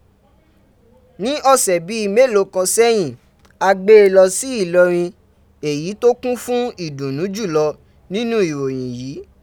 Ní ọ̀sẹ̀ bíi mélòó kan sẹ́yìn, a gbé e lọ sí l̀Iọrin, èyí tó kún fún ìdùnnú jù lọ nínú ìròyìn yìí.